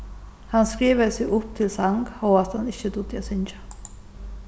hann skrivaði seg upp til sang hóast hann ikki dugdi at syngja